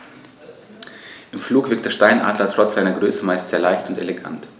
Im Flug wirkt der Steinadler trotz seiner Größe meist sehr leicht und elegant.